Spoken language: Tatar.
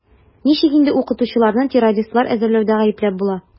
Ничек инде укытучыларны террористлар әзерләүдә гаепләп була?